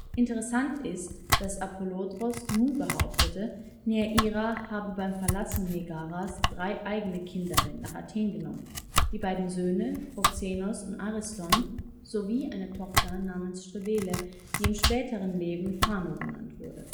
Interessant ist, dass Apollodoros nun behauptete, Neaira habe beim Verlassen Megaras drei eigene Kinder mit nach Athen genommen: die beiden Söhne Proxenos und Ariston sowie eine Tochter namens Strybele, die im späteren Leben Phano genannt wurde